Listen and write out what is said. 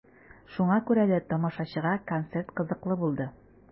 Шуңа күрә дә тамашачыга концерт кызыклы булды.